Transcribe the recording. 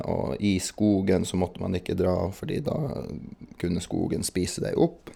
Og i skogen så måtte man ikke dra, fordi da kunne skogen spise deg opp.